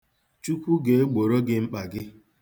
Chukwu ga-egboro gị mkpa gị.